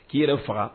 K'i yɛrɛ faga